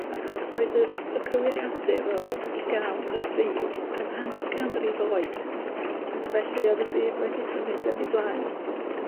achos oedd yr y cywiriadur o'dd yy i ga'l ar y pryd yn hannar canrif oed ac felly o'dd y byd wedi symud yn 'i flaen